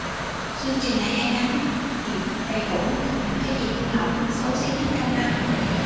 chương trình này hay lắm điểm đầy đủ những cái gì hư hỏng xấu xí nhất trong năm